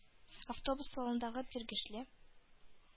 Автобус салонындагы тиргешле,